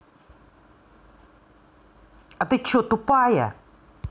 а ты че тупая